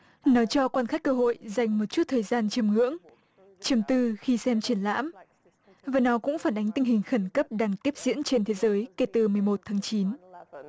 nói cho quan khách cơ hội dành một chút thời gian chiêm ngưỡng trầm tư khi xem triển lãm và nó cũng phản ánh tình hình khẩn cấp đang tiếp diễn trên thế giới kể từ mười một tháng chín